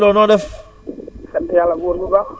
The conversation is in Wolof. ah Serigne Lo bu kër Allé